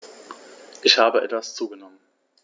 Ich habe etwas zugenommen